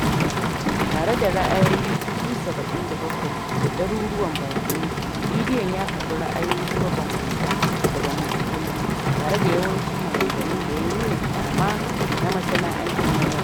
Tare da ra'ayoyin 77,000 da daruruwan bayanai, bidiyon ya karbi ra’ayoyi mabanbanta daga masu kallo, tare da yawancin maganganun da ya nuna "ƙyama" na masana'antar madara.